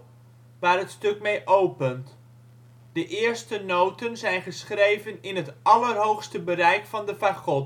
waar het stuk mee opent. De eerste noten zijn geschreven in het allerhoogste bereik van de fagot